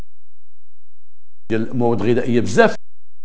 مواد غذائيه